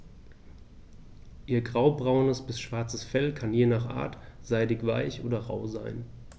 Ihr graubraunes bis schwarzes Fell kann je nach Art seidig-weich oder rau sein.